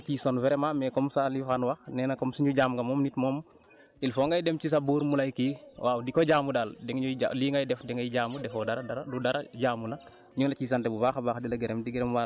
di la sant yow Aliou parce que yow tamit yaa ngi ciy sonn vraiment comme ça li Fane wax nee na comme suñu jaam nga moom nit moom il faut ngay dem ci sa buur mu lay kii waaw di ko jaamu daal da nga ñuy ja lii ngay def dangay jaamu defoo dara dara du dara jaamu la